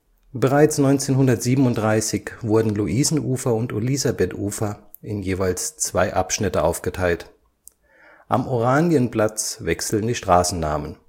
Bereits 1937 wurden Luisenufer und Elisabethufer in jeweils zwei Abschnitte aufgeteilt. Am Oranienplatz wechseln die Straßennamen